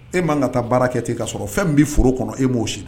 E ma kan ka taa baara kɛ tan ka sɔrɔ fɛn min bɛ foro kɔnɔ e m'o si dɔn.